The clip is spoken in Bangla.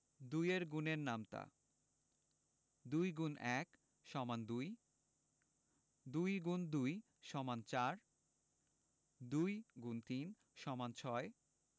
২ এর গুণের নামতা ২ X ১ = ২ ২ X ২ = ৪ ২ X ৩ = ৬